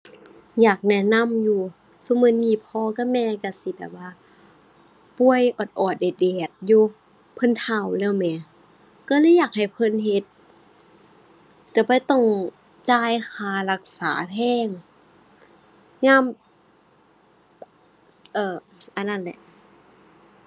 อยากแนะนำอยู่ ซุมื้อนี้พ่อกับแม่ก็สิแบบว่า ป่วยออดออดแอดแอดอยู่ เพิ่นเฒ่าแล้วแหม ก็เลยอยากให้เพิ่นเฮ็ด จะบ่ต้องจ่ายค่ารักษาแพง ยาม เอ่อ อันนั้นแหละ